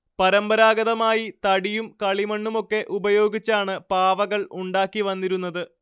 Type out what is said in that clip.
പരമ്പരാഗതമായി തടിയും കളിമണ്ണുമൊക്കെ ഉപയോഗിച്ചാണ് പാവകൾ ഉണ്ടാക്കി വന്നിരുന്നത്